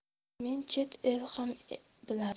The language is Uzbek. meni chet el ham biladi